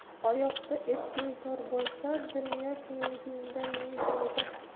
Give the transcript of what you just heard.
oyoqda edging tor bo'lsa dunyo kengligidan ne foyda